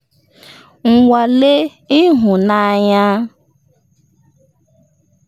Nwalee ịhụnanya.”